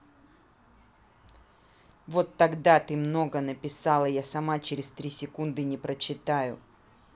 вот тогда ты много написала я сама через три секунды не прочитаю